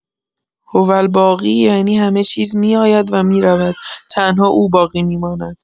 هوالباقی یعنی همه چیز می‌آید و می‌رود، تنها او باقی می‌ماند.